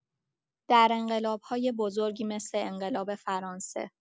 در انقلاب‌‌های بزرگی مثل انقلاب فرانسه